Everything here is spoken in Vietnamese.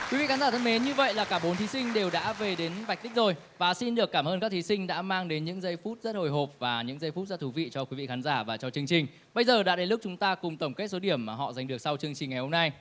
quý vị khán giả thân mến như vậy là cả bốn thí sinh đều đã về đến vạch đích rồi và xin được cảm ơn các thí sinh đã mang đến những giây phút rất hồi hộp và những giây phút rất thú vị cho quý vị khán giả và cho chương trình bây giờ đã đến lúc chúng ta cùng tổng kết số điểm mà họ giành được sau chương trình ngày hôm nay